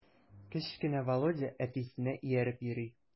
Кечкенә Володя әтисенә ияреп йөри.